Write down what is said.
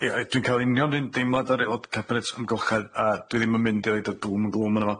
Ia dwi'n ca'l union ry'n deimlad yr aelod cabinet amgylchedd a dwi ddim yn mynd i roid y gloom gloom arno fo.